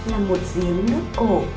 là một giếng nước cổ